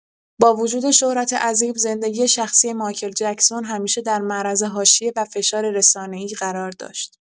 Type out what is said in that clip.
با وجود شهرت عظیم، زندگی شخصی مایکل جکسون همیشه در معرض حاشیه و فشار رسانه‌ای قرار داشت.